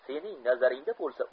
sening nazaringda bo'lsa